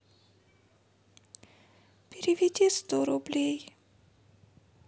переведи сто рублей